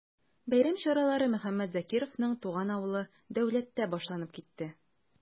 Бәйрәм чаралары Мөхәммәт Закировның туган авылы Дәүләттә башланып китте.